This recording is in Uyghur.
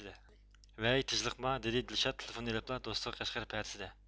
ۋەي تېژلىقما دىدى دىلشاد تېلىفوننى ئېلىپلا دوستىغا قەشقەر پەدىسىدە